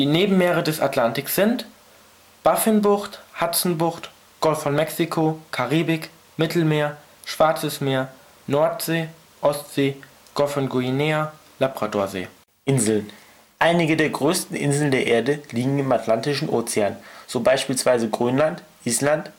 Nebenmeere des Atlantiks sind: Baffinbucht Hudsonbucht Golf von Mexiko Karibik Mittelmeer Schwarzes Meer Nordsee Ostsee Golf von Guinea Labradorsee Einige der größten Inseln der Erde liegen im Atlantischen Ozean, so beispielsweise Grönland, Island